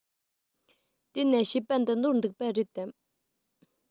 དེ ན བཤད པ འདི ནོར འདུག པ རེད དམ